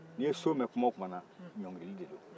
n'i ye so mɛn kuma o kumana ɲɔngirili de don